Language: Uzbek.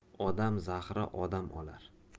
odam zahrini odam olar